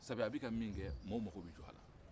sabu a bɛka min kɛ maaw mako bɛ jɔ a la